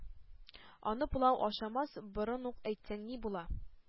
Аны пылау ашамас борын ук әйтсәң ни була!